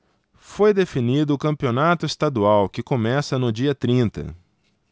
foi definido o campeonato estadual que começa no dia trinta